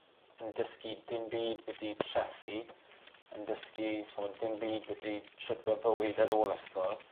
yn dysgu dim byd byti trethu yn dysgu ch'mod dim byd byti shwt ma' bywyd ar ôl ysgol.